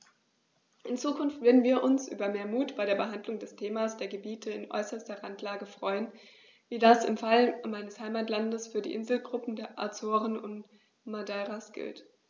In Zukunft würden wir uns über mehr Mut bei der Behandlung des Themas der Gebiete in äußerster Randlage freuen, wie das im Fall meines Heimatlandes für die Inselgruppen der Azoren und Madeiras gilt.